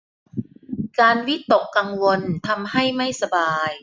การวิตกกังวลการวิตกกังวลทำให้ไม่สบาย